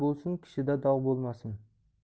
bo'lsin kishida dog' bo'lmasin